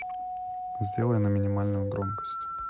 сделай на минимальную громкость